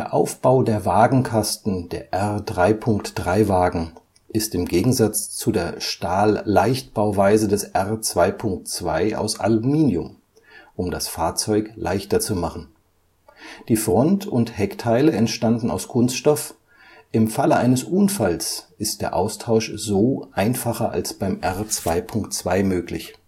Aufbau der Wagenkasten der R-3.3-Wagen ist im Gegensatz zu der Stahlleichtbauweise des R 2.2 aus Aluminium, um das Fahrzeug leichter zu machen. Die Front - und Heckteile entstanden aus Kunststoff, im Falle eines Unfalls ist der Austausch so einfacher als beim R 2.2 möglich